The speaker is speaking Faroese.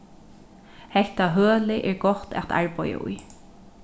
hetta hølið er gott at arbeiða í